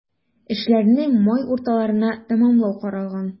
Эшләрне май урталарына тәмамлау каралган.